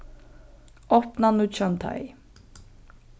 opna nýggjan teig